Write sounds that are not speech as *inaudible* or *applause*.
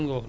*hesitation* *hesitation*